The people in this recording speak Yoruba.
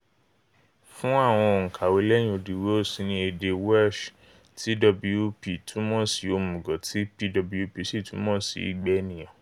Fún àwọn òǹkàwé lẹ́yìn odi Wales. Ní èdè Welsh twp tumọ sí òmùgọ̀ tí pwp sì tumọ sí ìgbẹ́ ènìyàn.